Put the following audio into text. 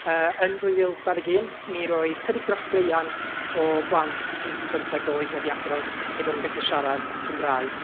yy yn dwy fil dau ddeg un, mi roedd chydig dros draean o blant pump i bymtheg oed wedi adrodd eu bod nhw'n gallu siarad Cymraeg.